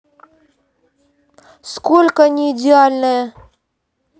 сколько неидеальная